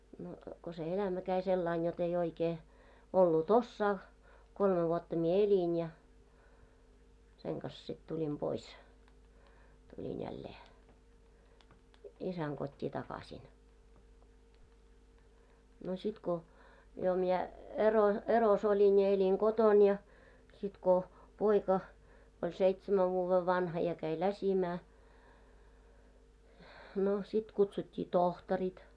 no kun se elämä kävi sillä lailla jotta ei oikein ollut osaa kolme vuotta minä elin ja sen kanssa sitten tulin pois tulin jälleen isän kotiin takaisin no sitten kun jo minä - erossa olin ja elin kotona ja sitten kun poika oli seitsemän vuoden vanha ja kävi läsimään no sitten kutsuttiin tohtorit